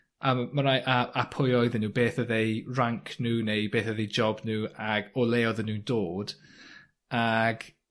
a ma' ma' rai- a a pwy oedden nw beth oedd eu rank wranc nhw neu beth odd ei job nw ag o le oedden nw'n dod ag